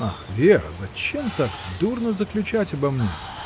— Ах, Вера, зачем так дурно заключать обо мне?